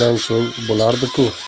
bayrami terimdan so'ng bo'lardi ku